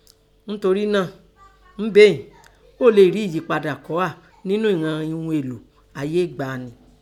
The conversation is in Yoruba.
Ńtorí náà, níbeé ín, ọ léè rí ẹ̀yípadà kọ́ hà ńnú lílo ìnan ihun èlò ayé ẹ̀gbàanì.